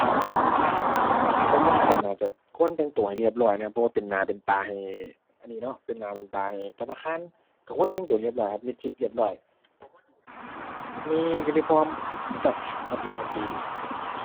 ผมว่าก็น่าจะควรแต่งตัวให้เรียบร้อยนะครับ เพราะว่าเป็นหน้าเป็นตาให้อันนี้เนาะ เป็นหน้าเป็นตาให้ธนาคาร ก็ควรแต่งตัวเรียบร้อยครับ มิดชิด เรียบร้อย มี uniform ก็ ก็ดีครับ ดีดี